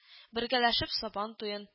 Бергәләшеп сабан туен